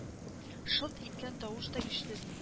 Шылт иткән тавыш та ишетелми